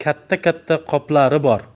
katta katta qoplari bor